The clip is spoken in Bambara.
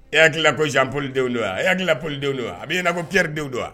E hakilila ko Jan pɔli denw don wa? a bɛ i ɲɛna ko Piyɛrdenw don wa?